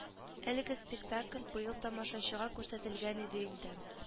Әлеге спектакль быел тамашачыга күрсәтелгән иде инде